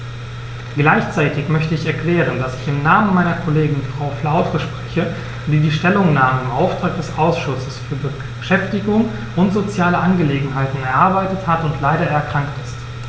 Gleichzeitig möchte ich erklären, dass ich im Namen meiner Kollegin Frau Flautre spreche, die die Stellungnahme im Auftrag des Ausschusses für Beschäftigung und soziale Angelegenheiten erarbeitet hat und leider erkrankt ist.